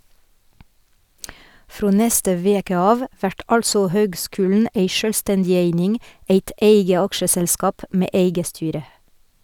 Frå neste veke av vert altså høgskulen ei sjølvstendig eining, eit eige aksjeselskap med eige styre.